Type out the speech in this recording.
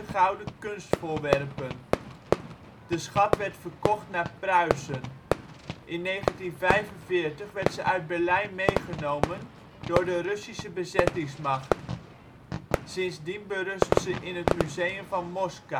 gouden kunstvoorwerpen. De schat werd verkocht naar Pruisen. In 1945 werd ze uit Berlijn meegenomen door de Russische bezettingsmacht. Sindsdien berust ze in het museum van Moskou